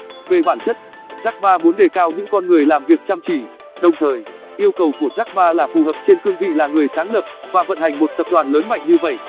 về bản chất jack ma muốn đề cao những con người làm việc chăm chỉ đồng thời yêu cầu của jack ma là phù hợp trên cương vị là người sáng lập và vận hành một tập đoàn lớn mạnh như vậy